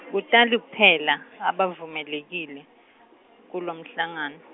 Kutali kuphela, abavumelekile, kulomhlangano.